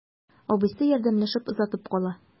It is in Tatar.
Абыйсы ярдәмләшеп озатып кала.